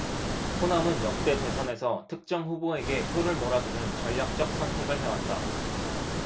호남은 역대 대선에서 특정 후보에게 표를 몰아주는 전략적 선택을 해왔다